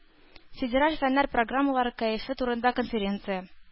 Федераль фэннэр программалар кәефе турында конференция.